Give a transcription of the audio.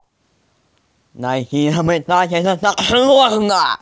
найди изобретать это так сложно